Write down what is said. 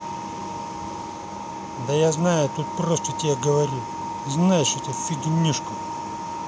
да я знаю тут я просто тебе говорю знаешь эту фигнюшку